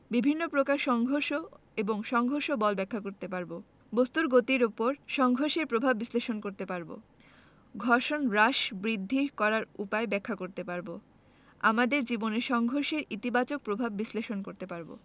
বিভিন্ন প্রকার সংঘর্ষ এবং সংঘর্ষ বল ব্যাখ্যা করতে পারব বস্তুর গতির উপর সংঘর্ষের প্রভাব বিশ্লেষণ করতে পারব ঘর্ষণ হ্রাসবৃদ্ধি করার উপায় ব্যাখ্যা করতে পারব • আমাদের জীবনে সংঘর্ষের ইতিবাচক প্রভাব বিশ্লেষণ করতে পারব